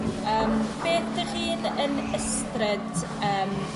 Yym beth dych chi'n yn ystred yn